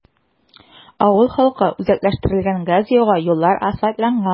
Авыл халкы үзәкләштерелгән газ яга, юллар асфальтланган.